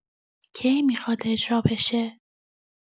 کی می‌خواد اجرا بشه؟